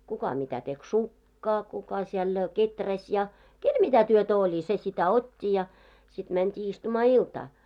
kuka mitä teki sukkaa kuka siellä kehräsi ja kenellä mitä työtä oli se sitä otti ja sitten mentiin istumaan iltaa